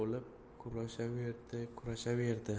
olib kutaveribdi kutaveribdi